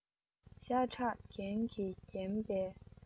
ཤ ཁྲག རྒྱན གྱིས བརྒྱན པའི